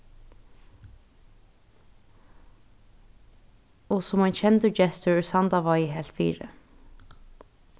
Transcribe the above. og sum ein kendur gestur úr sandavági helt fyri